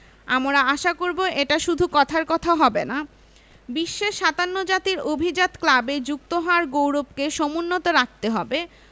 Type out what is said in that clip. আমরা আশা করব এটা শুধু কথার কথা হবে না বিশ্বের ৫৭ জাতির অভিজাত ক্লাবে যুক্ত হওয়ার গৌরবকে সমুন্নত রাখতে হবে